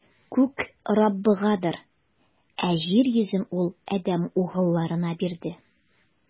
Күк - Раббыгадыр, ә җир йөзен Ул адәм угылларына бирде.